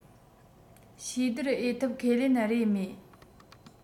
ཕྱིས བསྡུར འོས ཐོབ ཁས ལེན རེ མེད